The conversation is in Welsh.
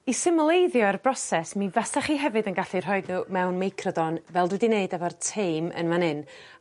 I symleiddio'r broses mi fasach chi hefyd yn gallu rhoid n'w mewn meicrodon fel dwi 'di neud efo'r teim yn fan 'yn.